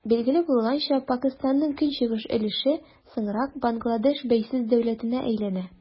Билгеле булганча, Пакыстанның көнчыгыш өлеше соңрак Бангладеш бәйсез дәүләтенә әйләнә.